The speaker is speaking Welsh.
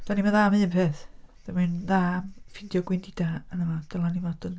Dan ni'm yn dda am un peth, dda am ffeindio gwendidau .